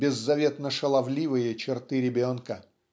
беззаветно-шаловливые черты ребенка.